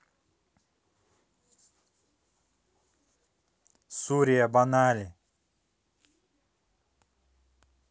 сурия бонали